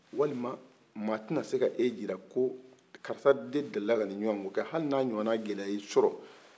walima maa tɛna se ka e jira ko karisa deli la ka ni ɲɔgɔn ko kɛ hali na gɛlɛya deli la ki sɔrɔ